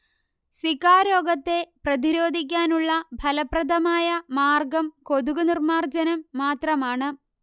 Zika രോഗത്തെ പ്രതിരോധിക്കാനുള്ള ഫലപ്രദമായ മാർഗ്ഗം കൊതുകുനിർമ്മാർജ്ജനം മാത്രമാണ്